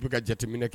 I bɛ ka jateminɛ kɛ